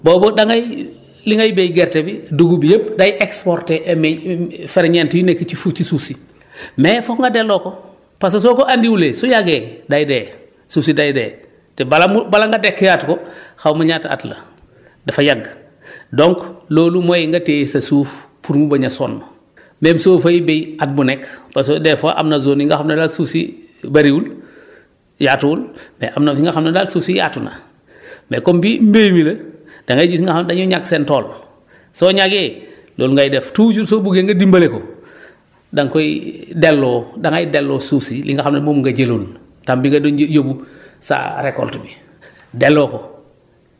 boobu da ngay li ngay béy gerte bi dugub yëpp day exporté ferñeent yu nekk ci fu ci suuf si mais foog nga delloo ko parce que soo ko andiwulee su yàggee day dee suuf si day dee te bala mu bala nga dekkiwaat ko xaw ma énaata at la dafa yàgg donc loolu mooy nga téye sa suuf pour mu bañ a sonn mêm soo fay béy at mu nekk parce que des fois am na zones yio nga xam ne daal suuf si bëriwul yaatuwul mais am na fi nga xam ne daal suuf si yaatu na mais comme bii mbéy mi la da ngay gis ñi nga xam dañuy ñag seen tool soo ñagee loolu ngay def toujours soo buggee nga dimbale ko da nga koy delloo da ngay delloo suuf si li nga xam ne moom nga jëloon temps bi nga doon yóbbu sa récolte bi delloo ko